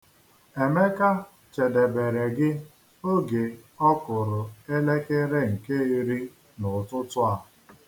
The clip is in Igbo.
Emeka chedebere gị oge ọ kụrụ elekere nke iri n'ụtụtụ a.